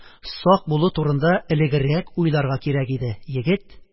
Сак булу турында элегрәк уйларга кирәк иде, егет